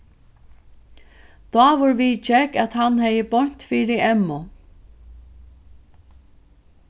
dávur viðgekk at hann hevði beint fyri emmu